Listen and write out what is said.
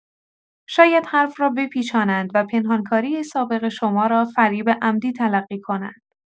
شاید حرف را بپیچانند و پنهان‌کاری سابق شما را فریب عمدی تلقی کنند.